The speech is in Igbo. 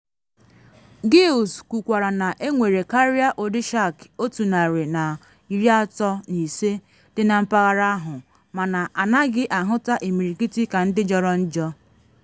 Giles kwukwara na enwere karịa ụdị shark 135 dị na mpaghara ahụ, mana anaghị ahụta imirikiti ka ndị jọrọ njọ.